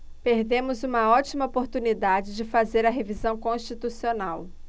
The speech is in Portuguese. perdemos uma ótima oportunidade de fazer a revisão constitucional